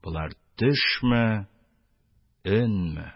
Болар төшме, өнме?